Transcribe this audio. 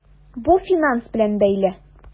Бу финанс белән бәйле.